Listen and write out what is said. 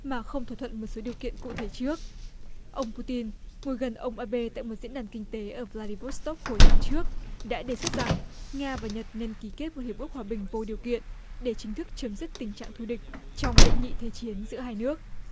mà không thỏa thuận một số điều kiện cụ thể trước ông pu tin ngồi gần ông a bê tại một diễn đàn kinh tế ở vờ la đi vô sờ tốc hồi tháng trước đã đề xuất rằng nga và nhật nên ký kết hiệp ước hòa bình vô điều kiện để chính thức chấm dứt tình trạng thù địch trong đệ nhị thế chiến giữa hai nước